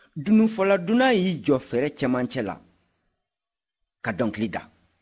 dununfɔladunan y'i jɔ fɛrɛ cɛmancɛ la ka dɔnkili da